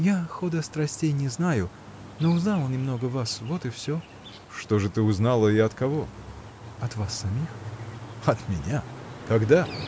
— Я хода страстей не знаю, но узнала немного вас — вот и всё. — Что ж ты узнала и от кого? — От вас самих. — От меня? Когда?